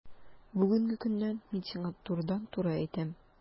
Бүгенге көннән мин сиңа турыдан-туры әйтәм: